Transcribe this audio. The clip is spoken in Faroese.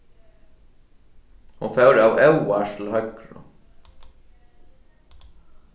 hon fór av óvart til høgru